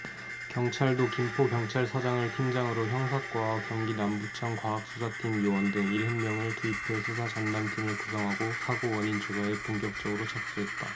경찰도 김포경찰서장을 팀장으로 형사과와 경기남부청 과학수사팀 요원 등 일흔 여명을 투입해 수사 전담팀을 구성하고 사고 원인 조사에 본격적으로 착수했다